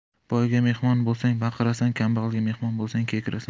boyga mehmon bo'lsang baqirasan kambag'alga mehmon bo'lsang kekirasan